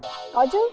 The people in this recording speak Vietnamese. có chứ